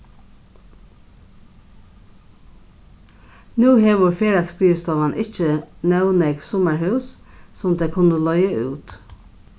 nú hevur ferðaskrivstovan ikki nóg nógv summarhús sum tey kunnu leiga út